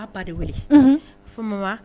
A ba de weele unhun ko mama